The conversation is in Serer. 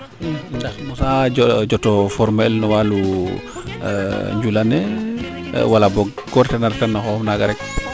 i ndax mosa joto former el no walu njula ne wala boog ko reeta na xooxof naaga rek